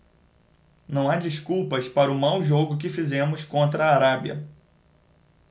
não há desculpas para o mau jogo que fizemos contra a arábia